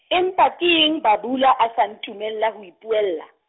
empa keng Bhabula a sa ntumella ho ipuella.